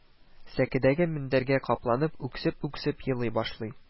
Сәкедәге мендәргә капланып үксеп-үксеп елый башлый